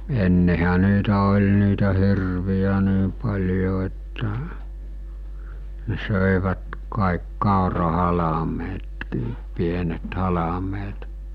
ennenhän niitä oli niitä hirviä niin paljon että ne söivät kaikki kaurahalmeetkin pienet halmeet